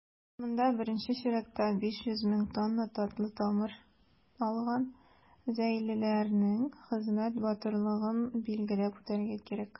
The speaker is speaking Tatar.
Монда, беренче чиратта, 500 мең тонна татлы тамыр алган зәйлеләрнең хезмәт батырлыгын билгеләп үтәргә кирәк.